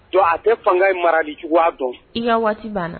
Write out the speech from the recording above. Don a tɛ fanga in mara dejugu dɔn i ka waati banna